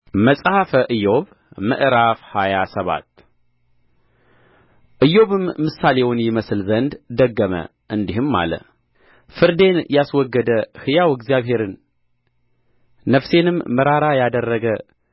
መጽሐፈ ኢዮብ ምዕራፍ ሃያ ሰባት ኢዮብም ምሳሌውን ይመስል ዘንድ ደገመ እንዲህም አለ ፍርዴን ያስወገደ ሕያው እግዚአብሔርን ነፍሴንም መራራ ያደረገ